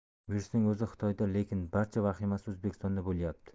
virusning o'zi xitoyda lekin barcha vahimasi o'zbekistonda bo'lyapti